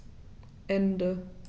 Ende.